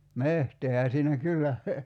metsäähän siinä kyllä